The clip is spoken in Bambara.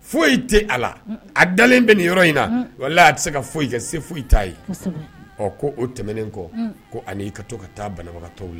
Foyi tɛ a la a dalen bɛ nin yɔrɔ in na walahi a tɛ se ka fosi kɛ se fosi ta ye, kosɛbɛ, ɔ o tɛmɛnen kɔ, un, ko ani i ka to ka taa banabagatɔw